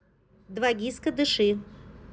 2gis ка дыши